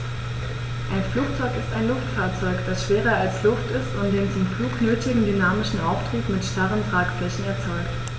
Ein Flugzeug ist ein Luftfahrzeug, das schwerer als Luft ist und den zum Flug nötigen dynamischen Auftrieb mit starren Tragflächen erzeugt.